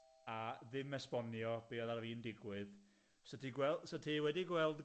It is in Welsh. a ddim esbonio be' o'dd ar fin digwydd, so ti gwel- so ti wedi gweld